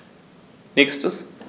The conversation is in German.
Nächstes.